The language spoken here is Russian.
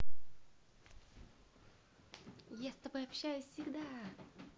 я с тобой общаюсь всегда